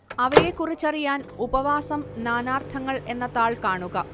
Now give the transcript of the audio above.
അവയെക്കുറിച്ചറിയാൻ ഉപവാസം നാനാർത്ഥങ്ങൾ എന്ന താൾ കാണുക